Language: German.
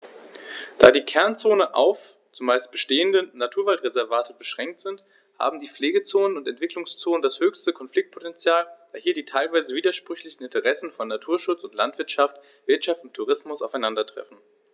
Da die Kernzonen auf – zumeist bestehende – Naturwaldreservate beschränkt sind, haben die Pflegezonen und Entwicklungszonen das höchste Konfliktpotential, da hier die teilweise widersprüchlichen Interessen von Naturschutz und Landwirtschaft, Wirtschaft und Tourismus aufeinandertreffen.